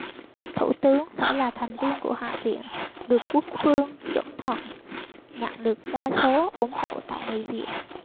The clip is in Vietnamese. thủ tướng phải là thành viên của hạ viện được quốc vương chuẩn thuận nhận được đa số ủng hộ tại nghị viện